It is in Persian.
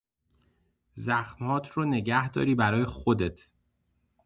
زخم‌هات رو نگه‌داری برای خودت!